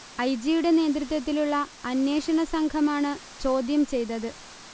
I. ജിയുടെ നേതൃത്വത്തിലുള്ള അന്വേഷണ സംഘമാണ് ചോദ്യം ചെയ്തത്